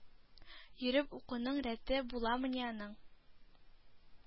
Йөреп укуның рәте буламыни аның.